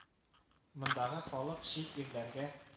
Мондагы халык чит ирләргә